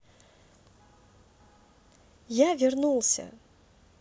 я вернулся